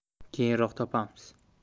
keyinroq topamiz